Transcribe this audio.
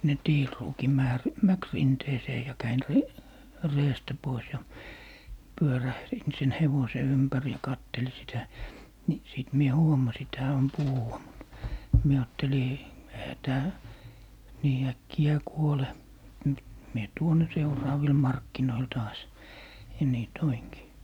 sinne tiiliruukin - mäkirinteeseen ja kävin - reestä pois ja pyörähdin siinä hevosen ympäri ja katselin sitä niin sitten minä huomasin että hän on puhuva mutta minä ajattelin eihän tämä niin äkkiä kuole - minä tuon ne seuraaville markkinoille taas ja niin toinkin